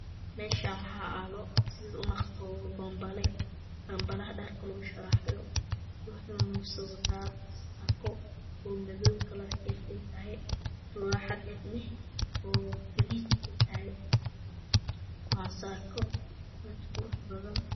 Meeshan waxaa aalo sida umuqo boon bale bonbalaha dharka lagu sharaxdo wuxuna wataa saako madow kalarkeeda yahay turaxad leh gariij aytahay waa saako quruxbadan